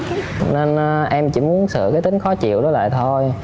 nên em chỉ muốn sửa cái tính khó chịu đó lại thôi